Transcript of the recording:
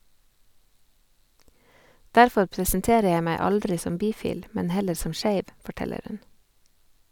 Derfor presenterer jeg meg aldri som bifil, men heller som skeiv , forteller hun.